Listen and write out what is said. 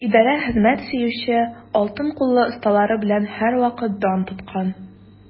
Идарә хезмәт сөюче, алтын куллы осталары белән һәрвакыт дан тоткан.